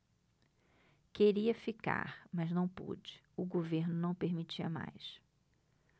queria ficar mas não pude o governo não permitia mais